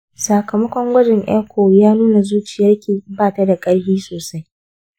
sakamakon gwajin echo ya nuna zuciyarki ba ta da ƙarfi sosai.